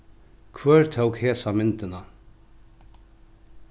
hvør tók hesa myndina